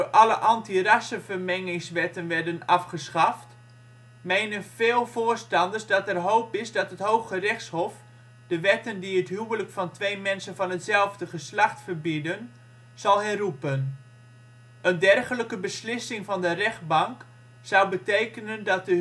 alle anti-rassenvermengingswetten werden afgeschaft), menen veel voorstanders dat er hoop is dat het Hooggerechtshof de wetten die het huwelijk van twee mensen van hetzelfde geslacht verbieden zal herroepen. Een dergelijke beslissing van de rechtbank zou betekenen dat de Huwelijksbeschermingswet